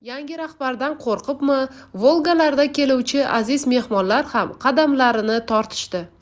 yangi rahbardan qo'rqibmi volga larda keluvchi aziz mehmonlar ham qadamlarini tortishdi